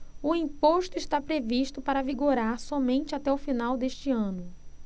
o imposto está previsto para vigorar somente até o final deste ano